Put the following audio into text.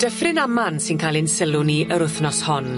Dyffryn Aman sy'n ca'l ein sylw ni yr wthnos hon.